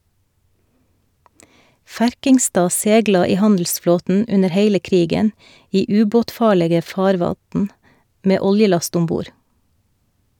Ferkingstad segla i handelsflåten under heile krigen, i ubåtfarlege farvatn, med oljelast om bord.